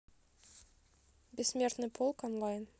бессмертный полк онлайн